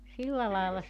silla lailla se